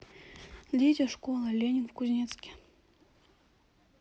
дети школа ленин в кузнецке